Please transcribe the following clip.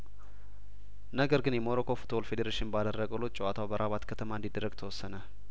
ነገር ግን የሞሮኮ ፉትቦል ፌዴሬሽን ባደረገው ለውጥ ጨዋታው በራባት ከተማ እንዲደረግ ተወሰነ